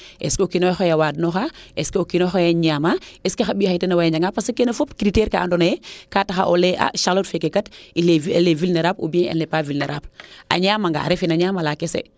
est ce que o kiinoxe oxey waad nooxa to o kiinoxeey a ñaama est que xa mbiya xe den owey a njagaa parce que que keene fop critere kaa ando naye kaa taxaa o leye a Charlote feeke kat elle est vulnerable ou il n' est pas vulnerable a ñaama nga rek refee na ñaamala kese